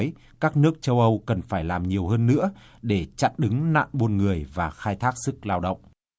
các nước châu âu cần phải làm nhiều hơn nữa để chặn đứng nạn buôn người và khai thác sức lao động